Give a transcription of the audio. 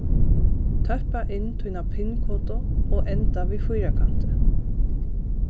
tøppa inn tína pin-kodu og enda við fýrakanti